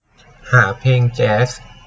หาเพลงแจ๊ส